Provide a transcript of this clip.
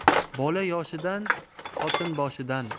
bola yoshidan xotin boshidan